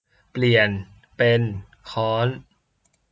เปลี่ยนเป็นค้อน